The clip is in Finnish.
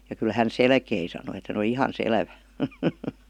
ja kyllä hän selkesi sanoi että hän oli ihan selvä